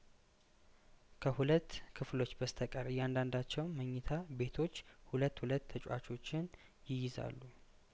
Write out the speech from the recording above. ከሁለት ክፍሎች በስተቀር እያንዳንዳቸው መኝታ ቤቶች ሁለት ሁለት ተጫዋቾችን ይይዛሉ